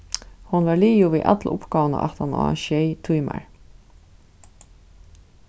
hon varð liðug við alla uppgávuna aftan á sjey tímar